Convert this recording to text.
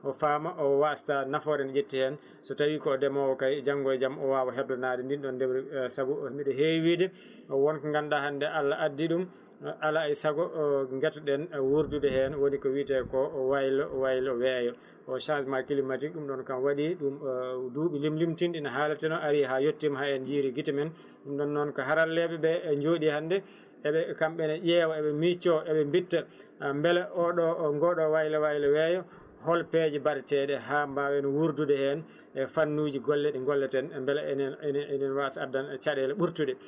o faama o wasata nafoore nde ƴetti hen so tawi ko ndeemo kay janggo e jaam o wawa heblanade ndin ɗon ndemri saabu mbiɗo heewi wiide wonko ko ganduɗa hande Allah addi ɗum alah saago guetoɗen wurdude hen woni ko wiiyete ko waylo waylo weeyo o changement climatique ɗum ɗon kam waɗi duuɓi limlimtinɗi ene haaleteno aari ha yettima ha en jiiri guite men ɗum ɗon noon ko haralleɓeɓe jooɗi hande eɓe kamɓene ƴeewa eɓe micco eɓe mbitta beele oɗo ngoɗo waylo waylo weeyo hol peeje mbaɗateɗe ha mbawen wurdude hen e fannuji golle ɗi golle ten e beele enen ene waasa andan en caɗele ɓurtuɗe